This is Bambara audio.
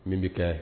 Min bɛ kɛ